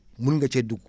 mun nga cee dugg